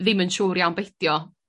ddim yn siŵr iawn be' 'di o